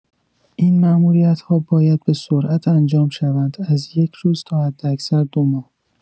این ماموریت‌ها باید به‌سرعت انجام شوند، از یک روز تا حداکثر دو ماه.